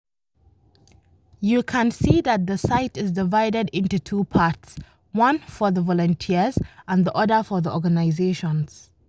You can see that the site is divided into two parts: one for the volunteers and the other for the organizations.